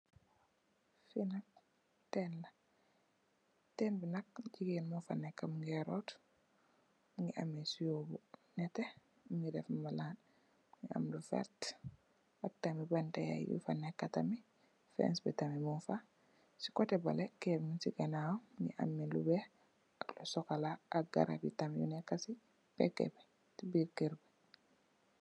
Fi nak teen la teen bi nak gigain mofa neka mungai rod Mungi ameh seewo bu neteh Mungi deff malan Mungi am lu verteh ak tam bantai nyufa neka tamit fence bi tamit mungfa sey koteh beleh kerr Mung sey ganaw Mungi ameh lu weih ak lu sokola ak garabi tamit nyu nekeh sey peeka bi sey birr kerr bi.